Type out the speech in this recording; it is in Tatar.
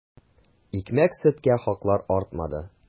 Икмәк-сөткә хаклар артмады.